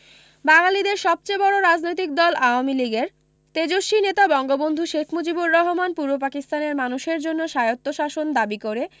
বাঙালিদের সবচেয়ে বড়ো রাজনৈতিক দল আওয়ামী লীগের তেজস্বী নেতা বঙ্গবন্ধু শেখ মুজিবর রহমান পূর্ব পাকিস্তানের মানুষের জন্যে স্বায়ত্ব শাসন দাবি করে